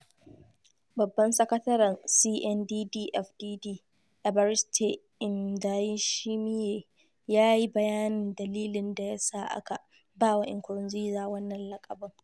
Babban sakataren CNDD-FDD, Eɓariste Ndayishimiye, ya yi bayanin dalilin da ya sa aka ba wa Nkurunziza wannan laƙabin: